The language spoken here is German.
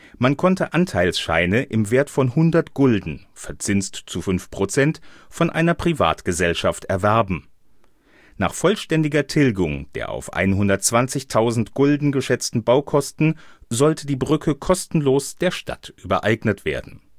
Man konnte Anteilsscheine im Wert von 100 Gulden verzinst zu 5% von einer Privatgesellschaft erwerben. Nach vollständiger Tilgung der auf 120.000 Gulden geschätzten Baukosten sollte die Brücke kostenlos der Stadt übereignet werden